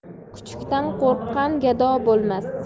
kuchukdan qo'rqqan gado bo'lmas